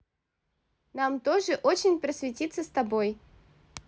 нам тоже очень просветиться с тобой